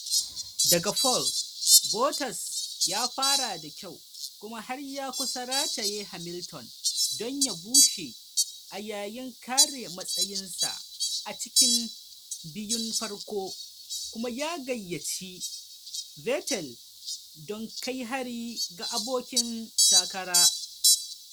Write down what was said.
Daga pole, Bottas ya fara da kyau kuma har ya kusa rataye Hamilton don ya bushe a yayin kare matsayinsa a cikin biyun farko kuma ya gayyaci Vettel don kai hari ga abokin takara.